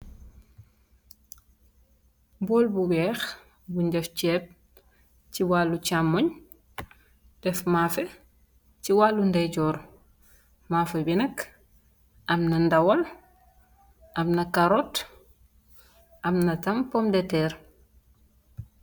Bóól bu wèèx ñgi def cèèb ci wali camooy, def maafeh ci wali ndayjoor. Maafeh bi nak am na ndawal, am na karut am na tam pompitèèr.